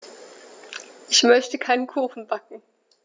Ich möchte einen Kuchen backen.